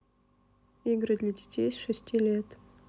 игры для детей с шести лет